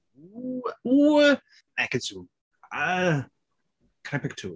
Ww! ww! Ekin Su. Yy! Can I pick two?